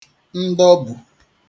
ndọbù